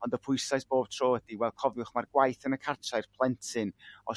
ond y pwysais bob tro ydi wel cofiwch mai'r gwaith yn y cartref i'r plentyn os